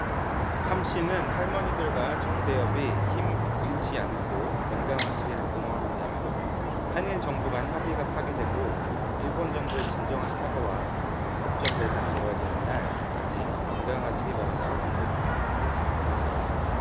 함씨는 할머니들과 정대협이 힘 잃지 않고 건강하시길 응원한다며 한일 정부 간 합의가 파기되고 일본 정부의 진정한 사과와 법적 배상이 이뤄지는 날까지 건강하시기 바란다고 당부했다